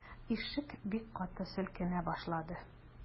Ишек бик каты селкенә башлады.